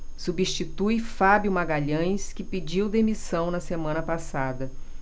substitui fábio magalhães que pediu demissão na semana passada